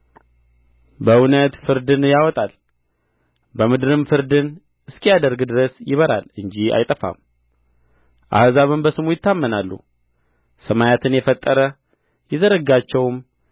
በእውነት ፍርድን ያወጣል በምድርም ፍርድን እስኪያደርግ ድረስ ይበራል እንጂ አይጠፋም አሕዛብም በስሙ ይታመናሉ ሰማያትን የፈጠረ የዘረጋቸውም